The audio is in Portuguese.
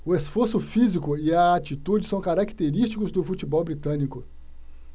o esforço físico e a atitude são característicos do futebol britânico